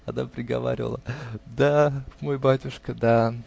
, она приговаривала: "Да, мой батюшка, да".